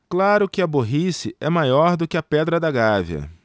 claro que a burrice é maior do que a pedra da gávea